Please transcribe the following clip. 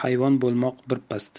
hayvon bo'lmoq bir pasda